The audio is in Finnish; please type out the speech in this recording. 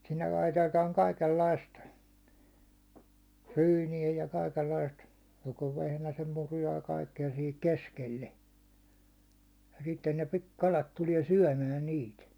sinne laitetaan kaikenlaista ryyniä ja kaikenlaista joko vehnäsen muruja ja kaikkea siihen koskelle ja sitten ne - kalat tulee syömään niitä